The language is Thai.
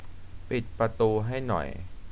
ปิดประตูให้หน่อย